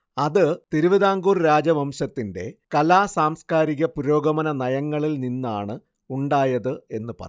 അത് തിരുവിതാംകൂർ രാജവംശത്തിന്റെ കലാ സാംസ്കാരിക പുരോഗമന നയങ്ങളിൽ നിന്നാണ് ഉണ്ടായത് എന്ന് പറയാം